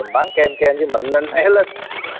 mình bán kem kem nên mình mạnh mẽ lên